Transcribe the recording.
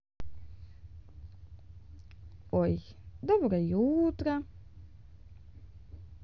ой доброе утро